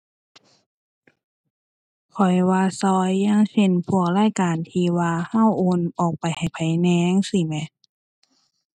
ข้อยว่าช่วย อย่างเช่น พวกรายการที่ว่าช่วยโอนออกไปให้ไผแหน่ จั่งซี้แหมะ